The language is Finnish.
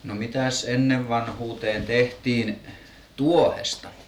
no mitäs ennen vanhuuteen tehtiin tuohesta